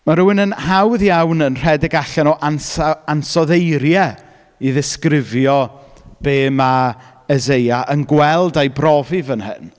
Ma' rywun yn hawdd iawn yn rhedeg allan o ansa- ansoddeiriau i ddisgrifio be ma' Eseia yn gweld a'i brofi fan hyn.